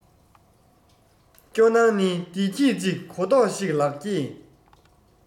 སྐྱོ སྣང ནི བདེ སྐྱིད ཅིག གོ རྟོགས ཤིག ལག སྐྱེས